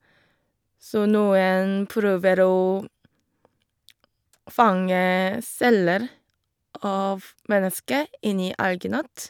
Så noen prøver å fange celler av menneske inni alginat.